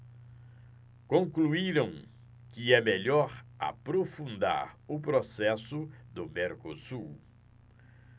concluíram que é melhor aprofundar o processo do mercosul